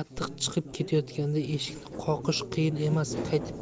qattiq chiqib ketayotganda eshikni qoqish qiyin emas qaytib